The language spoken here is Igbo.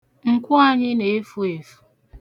Nkwo anyị na-efu efu.